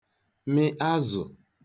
mị azụ̀